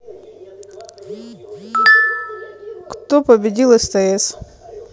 кто победил стс